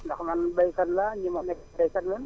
ndax man béykat laa ñi ma nekk béykat lañ